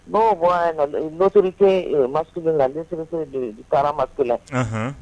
N'o bɔrato mas la nisirise karama ku